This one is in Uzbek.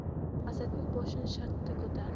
asadbek boshini shartta ko'tardi